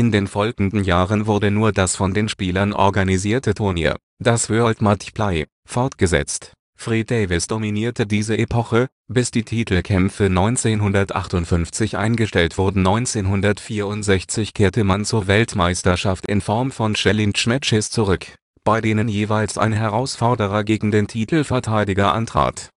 den folgenden Jahren wurde nur das von den Spielern organisierte Turnier, das World Matchplay, fortgesetzt. Fred Davis dominierte diese Epoche, bis die Titelkämpfe 1958 eingestellt wurden. 1964 kehrte man zur Weltmeisterschaft in Form von Challenge-Matches zurück, bei denen jeweils ein Herausforderer gegen den Titelverteidiger antrat